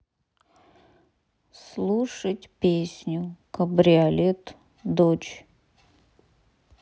слушать песню кабриолет дочь